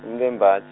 mntwe wembaji.